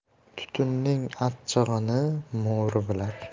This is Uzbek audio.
tutunning achchig'ini mo'ri bilar